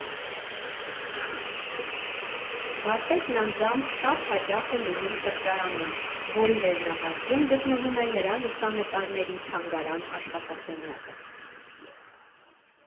Վարպետն անձամբ շատ հաճախ է լինում սրճարանում, որի վերնահարկում գտնվում է նրա լուսանկարների թանգարան֊աշխատասենյակը։